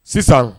Sisan